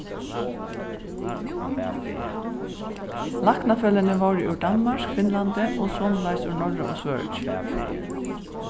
læknafeløgini vóru úr danmark finnlandi og somuleiðis úr norra og svøríki